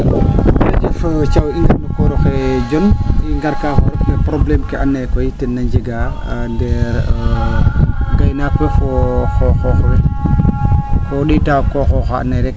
jajef Thiaw i ngar no koor oxe Dione i ngar kaa no probleme ke andoona yee koy ten na njegaa ndeer gaynaak we fo xooxoox we ko ?eeta o qooxoox oxa andoona yee rek